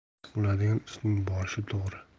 bo'ladigan ishning boshi to'g'ri